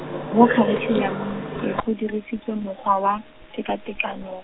mo kharikhulamong e, go dirisitswe mokgwa wa, tekatekano.